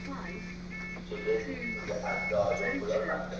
chekist bunga aslo yo'l qo'yolmasdi